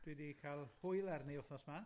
Dwi 'di ca'l hwyl arni wthnos 'ma.